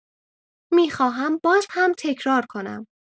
می‌خواهم باز هم تکرار کنم.